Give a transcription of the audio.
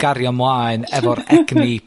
gario mlaen efo'r egni